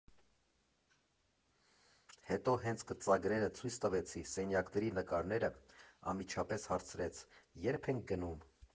Հետո հենց գծագրերը ցույց տվեցի, սենյակների նկարները, անմիջապես հարցրեց՝ ե՞րբ ենք գնում։